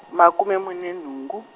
makume mune nhungu.